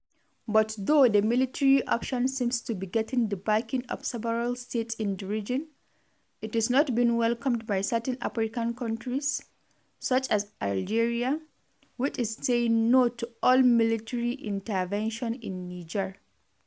But though the military option seems to be getting the backing of several states in the region, it's not been welcomed by certain African countries, such as Algeria, which is saying ‘no’ to all military intervention in Niger.